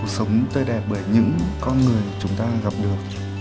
cuộc sống tươi đẹp bởi những con người chúng ta gặp được